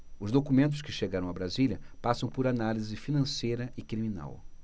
os documentos que chegaram a brasília passam por análise financeira e criminal